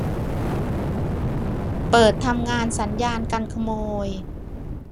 เปิดทำงานสัญญาณกันขโมย